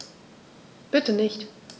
Bitte nicht.